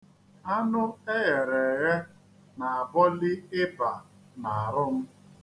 Anụ e ghere eghe na-abọli ịba n'arụ m.